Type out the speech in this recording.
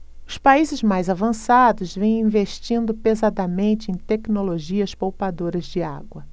os países mais avançados vêm investindo pesadamente em tecnologias poupadoras de água